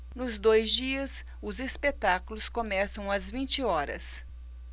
nos dois dias os espetáculos começam às vinte horas